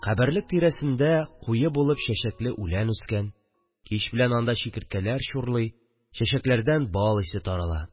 Каберлек тирәсендә куе булып чәчәкле үлән үскән, кич белән анда чикерткәләр чурлый, чәчәкләрдән бал исе тарала